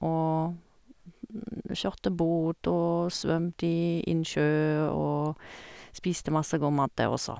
Og vi kjørte båt og svømte i innsjø og spiste masse god mat der også.